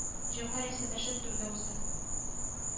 Җәүһәр исәнләшеп түргә узды